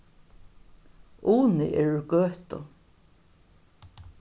uni er úr gøtu